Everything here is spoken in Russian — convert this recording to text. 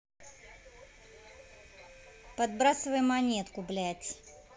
подбрасывай монетку блядь